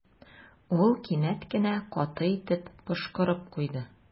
Ул кинәт кенә каты итеп пошкырып куйды.